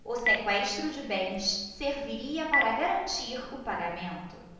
o sequestro de bens serviria para garantir o pagamento